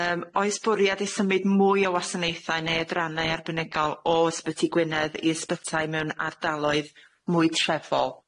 Yym oes bwriad i symud mwy o wasanaethau neu adrannau arbenigol o ysbyty Gwynedd i ysbytai mewn ardaloedd mwy trefol?